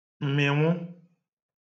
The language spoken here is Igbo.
m̀mị̀nwụ